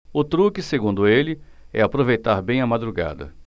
o truque segundo ele é aproveitar bem a madrugada